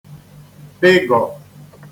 pịgọ̀